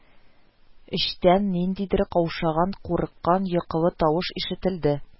Эчтән ниндидер, каушаган, курыккан йокылы тавыш ишетелде: